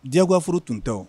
Diɲɛwaf tun tɛ